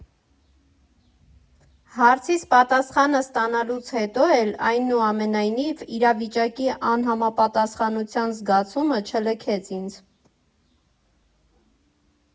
Հարցիս պատասխանը ստանալուց հետո էլ, այնուամենայնիվ, իրավիճակի անհամապատասխանության զգացումը չլքեց ինձ։